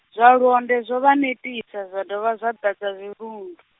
zwa Luonde zwo vha netisa zwa dovha zwa ḓadza zwirundu.